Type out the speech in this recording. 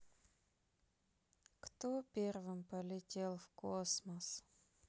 кто первым полетел в космос